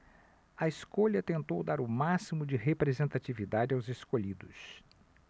a escolha tentou dar o máximo de representatividade aos escolhidos